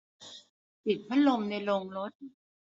ปิดพัดลมในโรงรถ